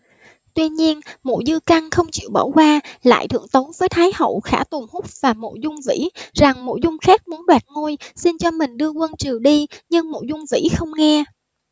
tuy nhiên mộ dư căn không chịu bỏ qua lại thượng tấu với thái hậu khả tồn húc và mộ dung vĩ rằng mộ dung khác muốn đoạt ngôi xin cho mình đưa quân trừ đi nhưng mộ dung vĩ không nghe